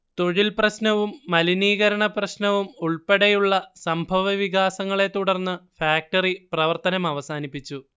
തൊഴിൽ പ്രശ്നവും മലിനീകരണപ്രശ്നവും ഉൾപ്പെടെയുള്ള സംഭവവികാസങ്ങളെത്തുടർന്ന് ഫാക്ടറി പ്രവർത്തനമവസാനിപ്പിച്ചു